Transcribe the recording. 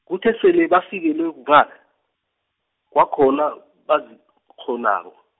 kuthe sele bafikelwa kunghala, kwakhona bazikg- -ghonako.